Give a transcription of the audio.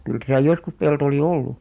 kyllä tässä joskus pelto oli ollut